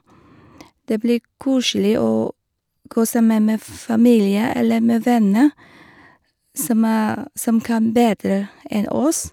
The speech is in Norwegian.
Det blir koselig å kose meg med familie eller med venner som er som kan bedre enn oss.